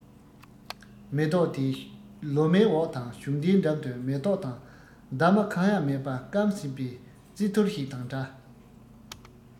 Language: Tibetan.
མེ ཏོག དེའི ལོ མའི འོག དང གཞུང རྟའི འགྲམ དུ མེ ཏོག དང འདབ མ གང ཡང མེད པ བསྐམས ཟིན པའི རྩི ཐུར ཞིག དང འདྲ